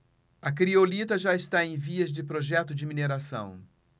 a criolita já está em vias de projeto de mineração